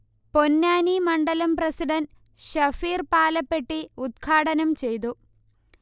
പൊന്നാനി മണ്ഡലം പ്രസിഡണ്ട് ശഫീർ പാലപ്പെട്ടി ഉൽഘാടനം ചെയ്തു